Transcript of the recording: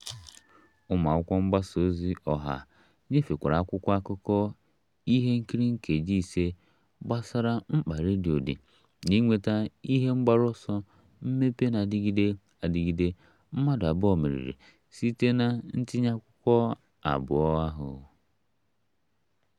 Ụmụ akwụkwọ mgbasa ozi ọha nyefekwara akwụkwọ akụkọ ihe nkiri nkeji 5 gbasara mkpa redio dị n'inweta ihe mgbaru ọsọ mmepe na-adịgide adịgide. Mmadụ abụọ meriri site na ntinye akwụkwọ abụọ ahụ.